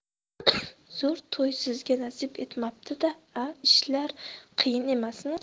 zo'r to'y sizga nasib etmabdi da a ishlar qiyin emasmi